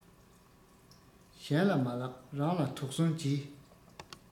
གཞན ལ མ ལབ རང ལ དོགས ཟོན གྱིས